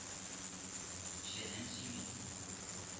Җенем сөйми